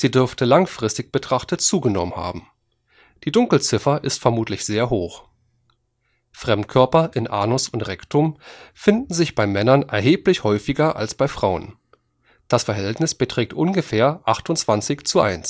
dürfte langfristig betrachtet zugenommen haben. Die Dunkelziffer ist vermutlich sehr hoch. Fremdkörper in Anus und Rektum finden sich bei Männern erheblich häufiger als bei Frauen. Das Verhältnis beträgt ungefähr 28:1